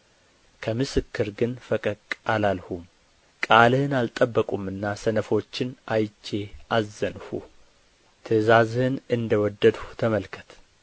ከምስክር ግን ፈቀቅ አላልሁም ቃልህን አልጠበቁምና ሰነፎችን አይቼ አዘንሁ ትእዛዝህን እንደ ወደድሁ ተመልከት